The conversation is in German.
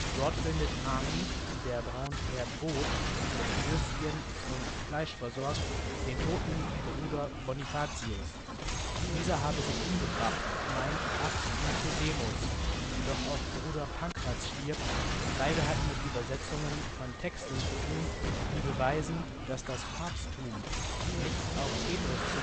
Dort findet Armin, der Braun per Boot mit Würsten und Fleisch versorgt, den toten Bruder Bonifacius. Dieser habe sich umgebracht, meint Abt Nicodemus, doch auch Bruder Pankratz stirbt, beide hatten mit Übersetzungen von Texten zu tun, die beweisen, dass das Papsttum nicht auf Petrus